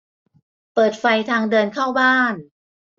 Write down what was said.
เปิดไฟทางเดินเข้าบ้าน